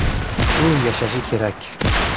u yashashi kerak